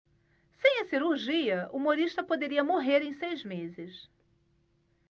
sem a cirurgia humorista poderia morrer em seis meses